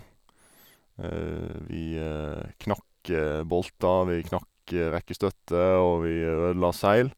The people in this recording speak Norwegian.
Vi knakk bolter, vi knakk rekkestøtter, og vi ødela seil.